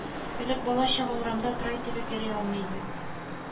Элек бала-чага урамда трай тибеп йөри алмый иде